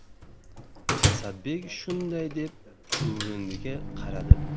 asadbek shunday deb chuvrindiga qaradi